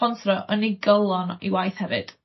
sponsro ynigolon i waith hefyd?